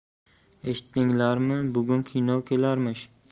eshitdinglarmi bugun kino kelarmish